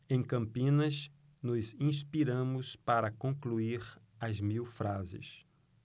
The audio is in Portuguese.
em campinas nos inspiramos para concluir as mil frases